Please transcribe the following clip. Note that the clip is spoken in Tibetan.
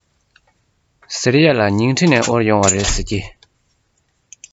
ཟེར ཡས ལ ཉིང ཁྲི ནས དབོར ཡོང བ རེད ཟེར གྱིས